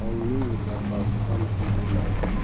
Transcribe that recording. ongning zarrasi ham sezilmaydi